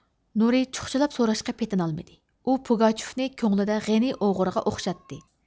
نۇرى چۇخچىلاپ سوراشقا پېتىنالمىدى ئۇ پوگاچيوفنى كۆڭلىدە غېنى ئوغرىغا ئوخشاتتى